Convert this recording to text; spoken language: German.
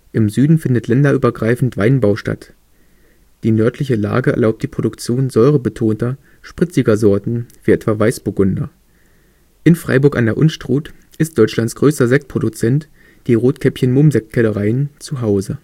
Im Süden findet länderübergreifend Weinbau statt. Die nördliche Lage erlaubt die Produktion säurebetonter, spritziger Sorten wie etwa Weißburgunder. In Freyburg (Unstrut) ist Deutschlands größter Sektproduzent, die Rotkäppchen-Mumm Sektkellereien, zu Hause